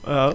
waaw